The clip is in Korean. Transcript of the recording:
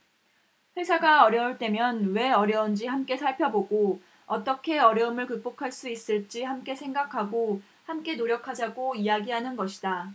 회사가 어려울 때면 왜 어려운지 함께 살펴보고 어떻게 어려움을 극복할 수 있을지 함께 생각하고 함께 노력하자고 이야기하는 것이다